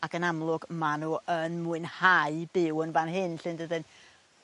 ac yn amlwg ma' n'w yn mwynhau byw yn fan hyn 'lly ndydyn?